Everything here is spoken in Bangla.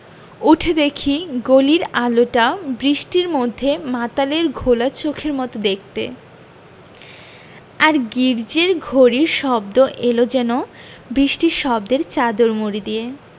উঠে দেখি গলির আলোটা বৃষ্টির মধ্যে মাতালের ঘোলা চোখের মত দেখতে আর গির্জ্জের ঘড়ির শব্দ এল যেন বৃষ্টির শব্দের চাদর মুড়ি দিয়ে